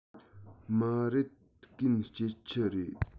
མ རེད གན སྐྱིད ཆུ རེད